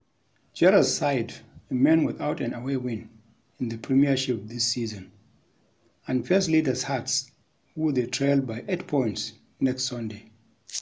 Gerrard's side remain without an away win in the Premiership this season and face leaders Hearts, who they trail by eight points, next Sunday.